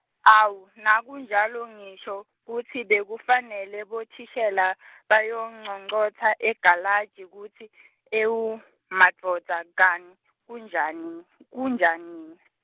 awu nakunjalo ngisho, kutsi bekufanele bothishela , bayonconcotsa egalaji kutsi, ewumadvodza kani, kunjani kunjanina.